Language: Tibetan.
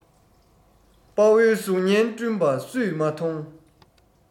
དཔའ བོའི གཟུགས བརྙན བསྐྲུན པ སུས མ མཐོང